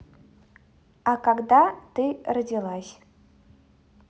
а когда ты родилась